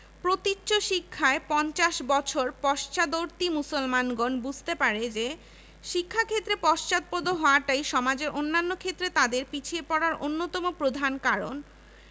প্রতীচ্য শিক্ষায় পঞ্চাশ বছর পশ্চাদ্বর্তী মুসলমানগণ বুঝতে পারে যে শিক্ষাক্ষেত্রে পশ্চাৎপদ হওয়াটাই সমাজের অন্যান্য ক্ষেত্রে তাদের পিছিয়ে পড়ার অন্যতম প্রধান কারণ